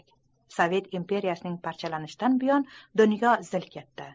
sovet imperiyasining parchalanishidan butun dunyo zil ketdi